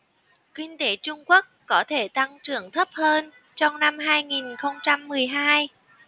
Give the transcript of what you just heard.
kinh tế trung quốc có thể tăng trưởng thấp hơn trong năm hai nghìn không trăm mười hai